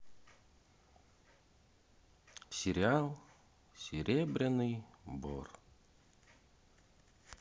сериал серебряный бор